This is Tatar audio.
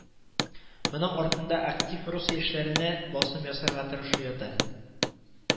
Моның артында актив рус яшьләренә басым ясарга тырышу ята